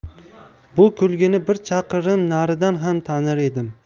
bu kulgini bir chaqirim naridan ham tanir edim